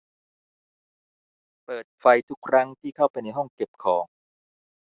เปิดไฟทุกครั้งที่เข้าไปในห้องเก็บของ